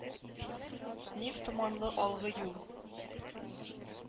Ник томанлы алгы юл?